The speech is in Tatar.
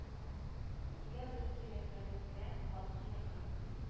Нигә бер кирәкмәгәнгә кан коярга